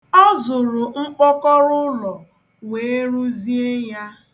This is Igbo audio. Ọ zụrụ mkpọkọrọ ụlọ wee rụzie ya.